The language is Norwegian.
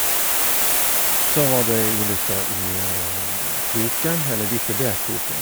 Så var det ei ulykke i Kroken eller like ved Kroken.